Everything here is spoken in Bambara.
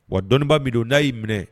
Wa dɔnniibaa miridon n'a y'i minɛ